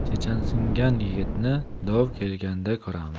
chechansingan yigitni dov kelganda ko'ramiz